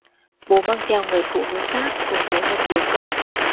bố mang theo người phụ nữ khác cùng với một đứa con